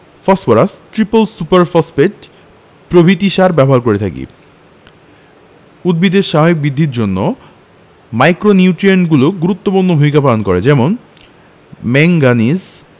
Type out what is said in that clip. phosphorus triple super phosphate প্রভৃতি সার ব্যবহার করে থাকি উদ্ভিদের স্বাভাবিক বৃদ্ধির জন্য মাইক্রোনিউট্রিয়েন্টগুলোও গুরুত্বপূর্ণ ভূমিকা পালন করে যেমন ম্যাংগানিজ